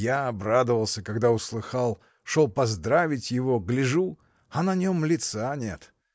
Я обрадовался, когда услыхал, шел поздравить его, гляжу — а на нем лица нет!